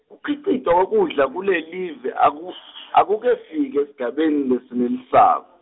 kukhicitwa kwekudla kulelive, aku- akukefiki esigabeni lesenelisako.